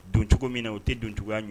Don cogo min na u tɛ don cogoyaya ye